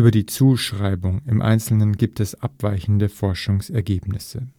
die Zuschreibung im Einzelnen gibt es abweichende Forschungsergebnisse